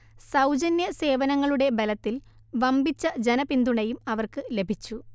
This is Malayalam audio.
സൗജന്യ സേവനങ്ങളുടെ ബലത്തിൽ വമ്പിച്ച ജനപിന്തുണയും അവർക്ക് ലഭിച്ചു